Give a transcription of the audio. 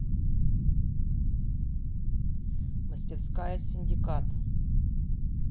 мастерская синдикат